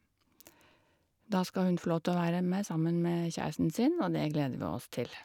Da skal hun få lov til å være med, sammen med kjæresten sin, og det gleder vi oss til.